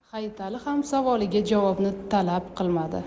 hayitali ham savoliga javobni talab qilmadi